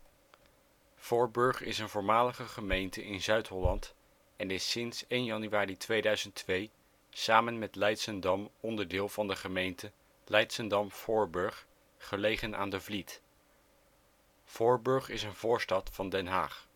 Voorburg is een voormalige gemeente in Zuid-Holland, en is sinds 1 januari 2002 samen met Leidschendam onderdeel van de gemeente Leidschendam-Voorburg, gelegen aan de Vliet. Voorburg is een voorstad van Den Haag